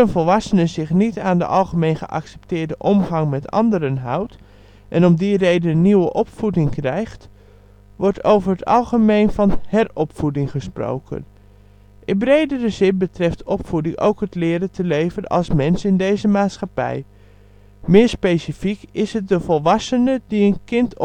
volwassene zich niet aan de algemeen geaccepteerde omgang met anderen houdt, en om die redenen nieuwe opvoeding krijgt, wordt over het algemeen van heropvoeding gesproken. In bredere zin betreft opvoeding ook het leren te leven als mens in deze maatschappij. Meer specifiek is het de volwassene die een kind opvoedt